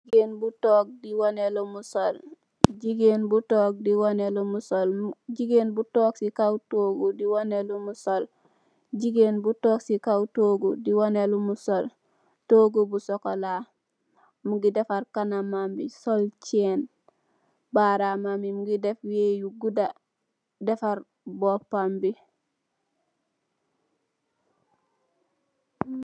Gigeen bu tóóg ci kaw tohgu di waneh lum sol , tohgu bu sokola, mugeh defarr kanamambi sol cèèn, baramam yi mugeh def weh yu guuda, defarr bópambi.